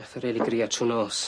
Nath o rili grio trw nos?